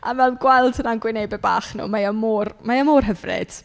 A fel gweld hwnna yn gwynebau bach nhw, mae e mor mae e mor hyfryd.